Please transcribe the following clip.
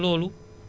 dix pour cent